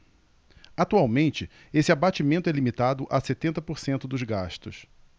atualmente esse abatimento é limitado a setenta por cento dos gastos